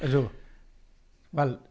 Ydw. Wel...